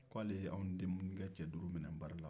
k'ale y'anw denkɛ cɛ duuru mina nbari la